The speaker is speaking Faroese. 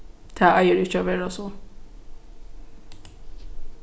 tað eigur ikki at vera so